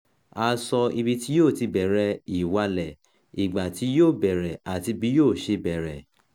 A sọ ibi tí yóò ti bẹ̀rẹ̀ ìwalẹ̀, ìgbà tí yó bẹ̀rẹ̀ àti bí yóò ṣe bẹ̀rẹ̀ .